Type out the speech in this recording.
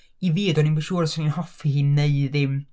I fi do'n i'm yn siŵr os o'n i'n hoffi hi neu ddim.